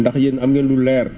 ndax yéen am ngeen lu leer